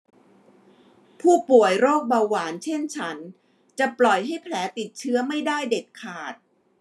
ผู้ป่วยโรคเบาหวานเช่นฉันจะปล่อยให้แผลติดเชื้อไม่ได้เด็ดขาด